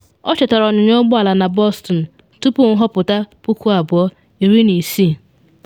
Ọ chetara ọnyịnya ụgbọ ala na Boston tupu nhọpụta 2016.